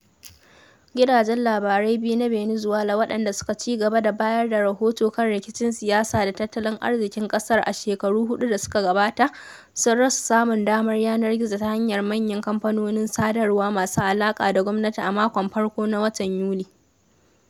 Gidajen labarai biyu na Venezuela waɗanda suke ci gaba da bayar da rahoto kan rikicin siyasa da tattalin arziƙin ƙasar a shekaru huɗu da suka gabata, sun rasa samun damar yanar gizo ta hanyar manyan kamfanonin sadarwa masu alaƙa da gwamnati a makon farko na watan Yuni.